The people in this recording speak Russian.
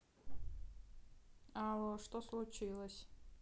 алло что случилось